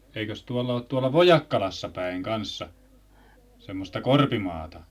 eikös tuolla ole tuolla Vojakkalassa päin kanssa semmoista korpimaata